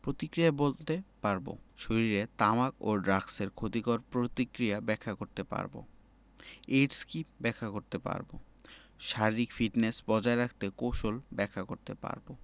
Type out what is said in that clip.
প্রতিক্রিয়া বলতে পারব শরীরে তামাক ও ড্রাগসের ক্ষতিকর প্রতিক্রিয়া ব্যাখ্যা করতে পারব এইডস কী ব্যাখ্যা করতে পারব শারীরিক ফিটনেস বজায় রাখার কৌশল ব্যাখ্যা করতে পারব